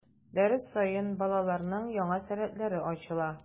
Дәрес саен балаларның яңа сәләтләре ачыла.